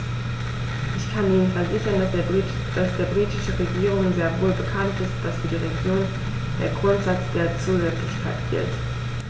Ich kann Ihnen versichern, dass der britischen Regierung sehr wohl bekannt ist, dass für die Regionen der Grundsatz der Zusätzlichkeit gilt.